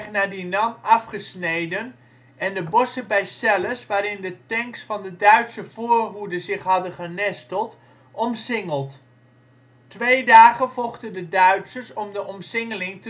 naar Dinant afgesneden en de bossen bij Celles, waarin de tanks van de Duitse voorhoede zich hadden genesteld, omsingeld. Twee dagen vochten de Duitsers om de omsingeling